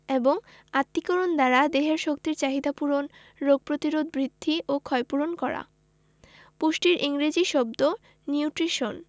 করা এবং আত্তীকরণ দ্বারা দেহের শক্তির চাহিদা পূরণ রোগ প্রতিরোধ বৃদ্ধি ও ক্ষয়পূরণ করা পুষ্টির ইংরেজি শব্দ নিউট্রিশন